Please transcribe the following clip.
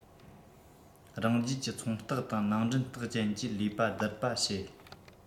རང རྒྱལ གྱི ཚོང རྟགས དང ནང འདྲེན རྟགས ཅན གྱིས ལས པ བསྡུར པ བྱེད